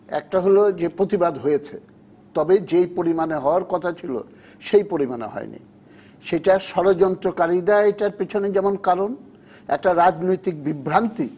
একটা হল যে প্রতিবাদ হয়েছে তবে যে পরিমানে হওয়ার কথা ছিল সেই পরিমাণে হয়নি সেটা ষড়যন্ত্রকারীরা এটার পিছনে যেমন কারণ একটা রাজনৈতিক বিভ্রান্তি